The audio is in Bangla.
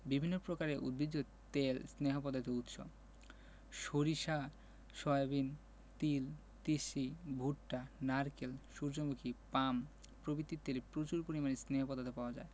বিভিন্ন প্রকারের উদ্ভিজ তেল স্নেহ পদার্থের উৎস সরিষা সয়াবিন তিল তিসি ভুট্টা নারকেল সুর্যমুখী পাম প্রভৃতির তেলে প্রচুর পরিমাণে স্নেহ পদার্থ পাওয়া যায়